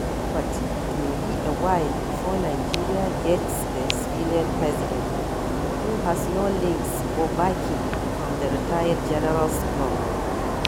But it may be a while before Nigeria gets a civilian president who has no links or backing from the retired generals "club".